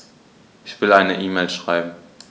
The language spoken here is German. Ich will eine E-Mail schreiben.